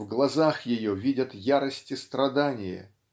в глазах ее видят ярость и страдание